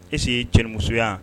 Est-ce que cɛ ni musoya